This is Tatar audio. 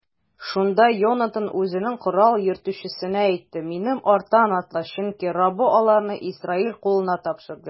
Шунда Йонатан үзенең корал йөртүчесенә әйтте: минем арттан атла, чөнки Раббы аларны Исраил кулына тапшырды.